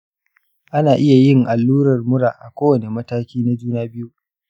ana iya yin allurar mura a kowane mataki na juna biyu.